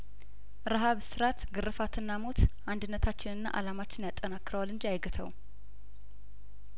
ረሀብ እስራት ግርፋትና ሞት አንድነታችንና አላማችንን ያጠናክረዋል እንጂ አይገታውም